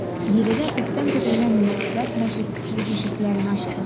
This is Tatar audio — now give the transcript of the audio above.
Биредә күптән көтелгән мәһабәт мәчет үз ишекләрен ачты.